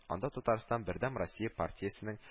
Анда татарстаннан бердәм россия партиясенең